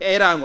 eeranago